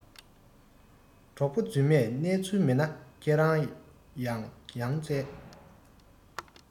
གྲོགས པོ རྫུན མས གནས ཚུལ མེད ན ཁྱེད རང ཡང ཡང འཚལ